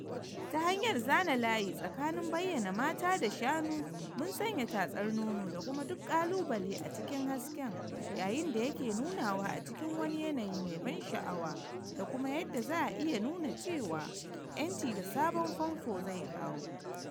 Ta hanyar zana layi tsakanin bayyana mata da shanu mun sanya tatsar nono da kuma duk kalubale a cikin hasken, yayin da yake nunawa a cikin wani yanayi mai ban sha'awa da kuma yadda za a iya nuna cewa 'yanci da sabon famfo zai kawo.